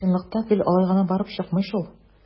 Ә чынлыкта гел генә алай барып чыкмый шул.